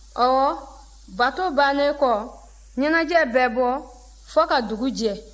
ɔwɔ bato bannen kɔ ɲɛnajɛ bɛ bɔ fɔ ka dugu jɛ